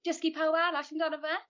dysgu pawb arall amdano fe?